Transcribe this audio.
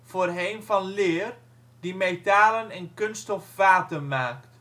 voorheen " Van Leer "), die metalen en kunststof vaten maakt